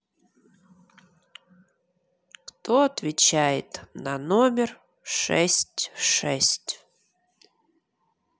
кто отвечает на номер шесть шесть